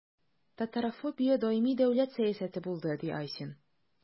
Татарофобия даими дәүләт сәясәте булды, – ди Айсин.